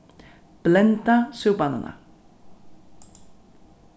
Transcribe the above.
blenda súpanina